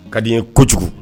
Ka di ye kojugu